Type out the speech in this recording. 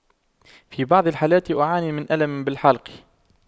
في بعض الحالات أعاني من ألم بالحلق